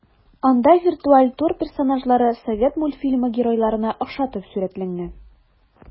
Анда виртуаль тур персонажлары совет мультфильмы геройларына охшатып сурәтләнгән.